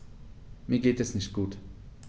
Mir geht es nicht gut.